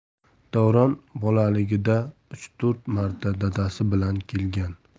davron bolaligida uch to'rt marta dadasi bilan kelgan